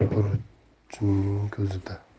bir xurjinning ko'zida